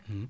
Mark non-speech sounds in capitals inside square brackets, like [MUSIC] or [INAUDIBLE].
[HESITATION] [HESITATION]